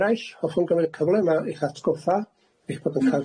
I eraill, hoffwn gymryd y cyfle yma i'ch atgoffa eich bod